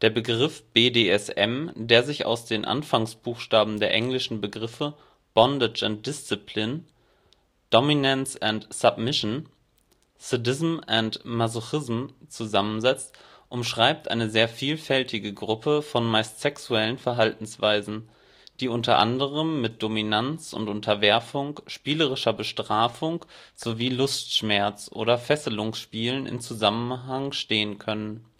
Begriff BDSM, der sich aus den Anfangsbuchstaben der englischen Begriffe Bondage & Discipline, Dominance & Submission, Sadism & Masochism zusammensetzt, umschreibt eine sehr vielgestaltige Gruppe von meist sexuellen Verhaltensweisen, die unter anderem mit Dominanz und Unterwerfung, spielerischer Bestrafung sowie Lustschmerz oder Fesselungsspielen in Zusammenhang stehen können